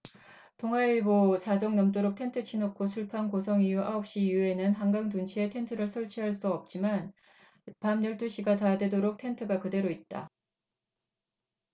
동아일보 자정 넘도록 텐트 쳐놓고 술판 고성오후 아홉 시 이후에는 한강 둔치에 텐트를 설치할 수 없지만 밤 열 두 시가 다 되도록 텐트가 그대로 있다